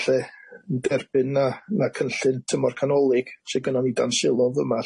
lly derbyn na na cynllun tymor canolig sydd gynnon ni dan sylw yma